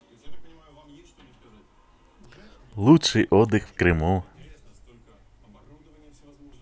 лучший отдых в крыму